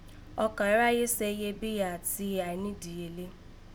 Ọkàn iráyé se iyebíye àti àìnídíyelé